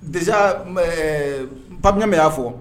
Déjà ɛɛ,n partenaire min y'a fɔ